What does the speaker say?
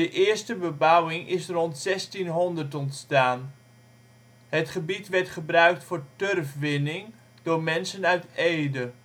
eerste bebouwing is rond 1600 ontstaan. Het gebied werd gebruikt voor turfwinning door mensen uit Ede